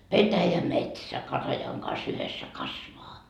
petäjämetsä katajan kanssa yhdessä kasvaa